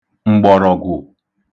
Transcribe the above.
m̀gbọ̀rọ̀gwụ̀